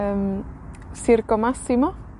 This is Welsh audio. yym Circo Massimo